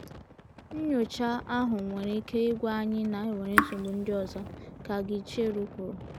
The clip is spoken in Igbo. ...Nnyocha ahụ nwere ike ịgwa anyị na-enwere nsogbu ndị ọzọ," Ka Gicheru kwuru.